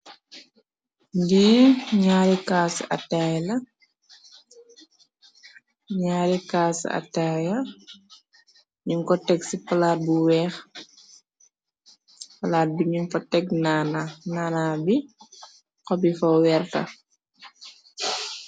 Ngir ñaari kaas ataala ñuñ ko teg ci palaat bu weex palaat bi ñu ko teg naana bi xobi fa weerta.